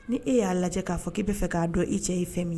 Ni e y'a lajɛ k'a fɔ k'i bɛ fɛ k'a dɔn i cɛ ye fɛn min ye